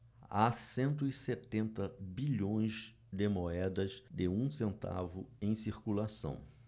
há cento e setenta bilhões de moedas de um centavo em circulação